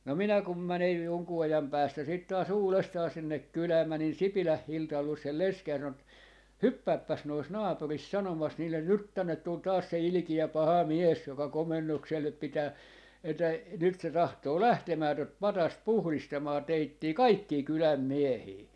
no minä kun menen jonkun ajan päästä sitten taas uudestaan sinne kylään menin Sipilän Hildan luo sen lesken ja sanoin että hyppääpäs noissa naapureissa sanomassa niille nyt tänne tuli taas se ilkeä paha mies joka komennukselle pitää että nyt se tahtoo lähtemään tuota patsasta puhdistamaan teitä kaikkia kylän miehiä